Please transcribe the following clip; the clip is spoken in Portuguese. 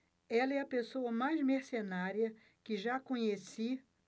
ela é a pessoa mais mercenária que já conheci